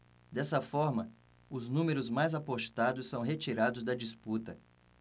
dessa forma os números mais apostados são retirados da disputa